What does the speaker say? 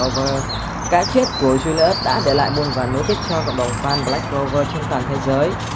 cái chết của julius đã để lại muôn vàn nuối tiếc cho cộng đồng fan black clover trên toàn thế giới